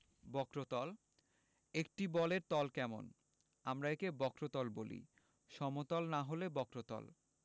বক্রতলঃ একটি বলের তল কেমন আমরা একে বক্রতল বলি সমতল না হলে বক্রতল